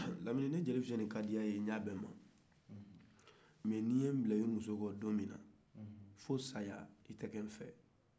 lamini ne jeli musa mana diya i ye cogo o cogo mais nin tugura i muso kɔ don minna fɔ saya i tɛ kɛ nfɛ